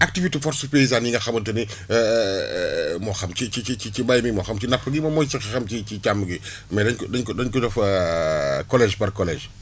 activité forces paysane yi nga xamante ni moo xam ci ci ci ci mbéy mi moo xam ci napp gi moom mooy ci xam ci ci càmm gi mais daé, ko dañ ko def collège par collège